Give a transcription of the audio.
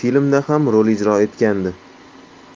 filmda ham rol ijro etgandi